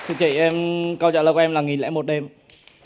thưa chị em câu trả lời của em là nghìn lẻ một đêm ạ